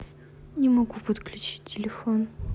не могу подключить телефон